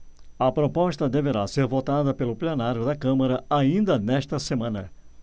a proposta deverá ser votada pelo plenário da câmara ainda nesta semana